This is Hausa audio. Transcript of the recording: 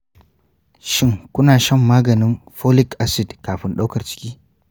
shin kuna shan maganin folic acid kafin daukar ciki?